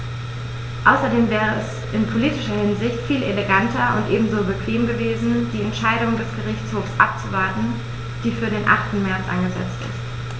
Außerdem wäre es in politischer Hinsicht viel eleganter und ebenso bequem gewesen, die Entscheidung des Gerichtshofs abzuwarten, die für den 8. März angesetzt ist.